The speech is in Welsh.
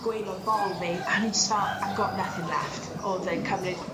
gwaelod bol fi a on i jys fel I've got nothing left. O'dd e'n cymryd